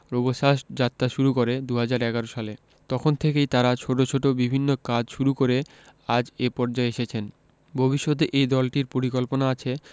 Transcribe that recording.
রোবোসাস্ট যাত্রা শুরু করে ২০১১ সালে তখন থেকেই তারা ছোট ছোট বিভিন্ন কাজ শুরু করে আজ এ পর্যায়ে এসেছেন ভবিষ্যতে এই দলটির পরিকল্পনা আছে